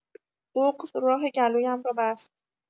بغض راه گلویم را بست.